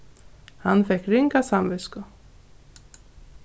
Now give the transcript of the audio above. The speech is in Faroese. hann fekk ringa samvitsku